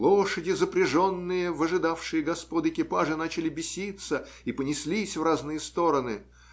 Лошади, запряженные в ожидавшие господ экипажи, начали беситься и понеслись в разные стороны.